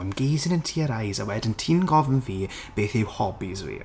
I'm gazing into your eyes a wedyn ti'n gofyn i fi beth yw hobbies fi.